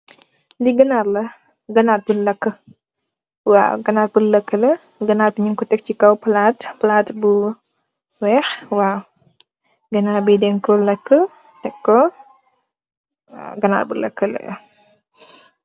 Lii amb ganar bounyou lakala. Tec kor c kay plat bu weex